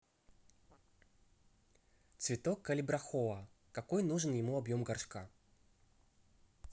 цветок калибрахоа какой нужен ему объем горшка